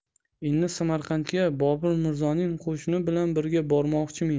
endi samarqandga bobur mirzoning qo'shini bilan birga bormoqchimen